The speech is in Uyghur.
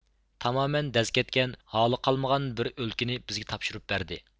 تامامەن دەز كەتكەن ھالى قالمىغان بىر ئۆلكىنى بىزگە تاپشۇرۇپ بەردى